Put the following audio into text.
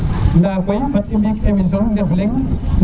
nda ko fat i mbi ik émission ndef leng